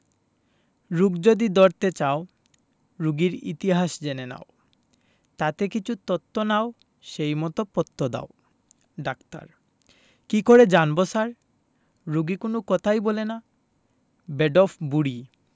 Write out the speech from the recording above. রোগ যদি ধরতে চাও রোগীর ইতিহাস জেনে নাও তাতে কিছু তথ্য নাও সেই মত পথ্য দাও ডাক্তার কি করে জানব স্যার রোগী কোন কথাই বলে না বেঢপ ভূঁড়ি